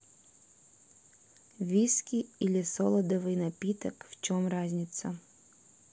виски или солодовый напиток в чем разница